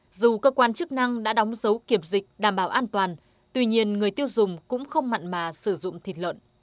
dù cơ quan chức năng đã đóng dấu kiểm dịch đảm bảo an toàn tuy nhiên người tiêu dùng cũng không mặn mà sử dụng thịt lợn